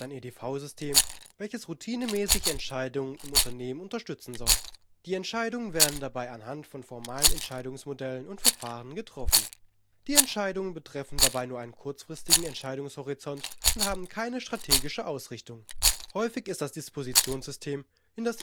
EDV-System, welches routinemäßige Entscheidungen in Unternehmen unterstützen soll. Die Entscheidungen werden dabei anhand von formalen Entscheidungsmodellen und - verfahren getroffen. Die Entscheidungen betreffen dabei nur einen kurzfristigen Entscheidungshorizont und haben keine strategische Ausrichtung. Häufig ist das Dispositionssystem in das